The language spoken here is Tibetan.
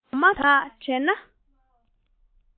འོ མ འཐུང བ དག དྲན ན